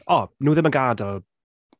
O, nhw ddim yn gadael...